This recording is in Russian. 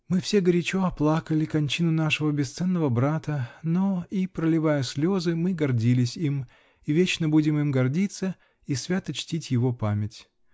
мы все горячо оплакали кончину нашего бесценного брата, но, и проливая слезы, мы гордились им -- и вечно будем им гордиться и свято чтить его память!